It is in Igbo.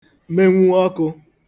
menwu ọkụ̄